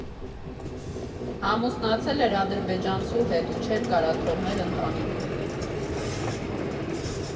Ամուսնացել էր ադրբեջանցու հետ ու չէր կարա թողներ ընտանիքը։